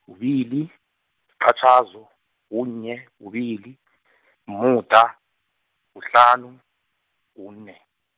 kubili, liqatjhaza, kunye, kubili , umuda, kuhlanu, kune.